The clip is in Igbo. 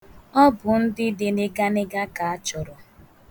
Ọ bụ ndị dị nịganịga ka a chọrọ.